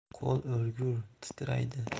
qo'l o'lgur titraydi